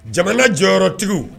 Jamana jɔyɔrɔtigiw